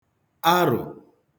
arụ̀